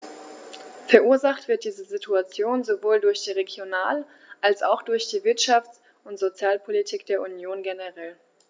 Verursacht wird diese Situation sowohl durch die Regional- als auch durch die Wirtschafts- und Sozialpolitik der Union generell.